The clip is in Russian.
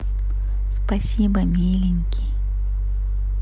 спасибо миленький